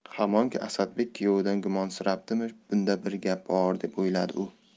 hamonki asadbek kuyovidan gumonsirabdimi bunda bir gap bor deb o'yladi u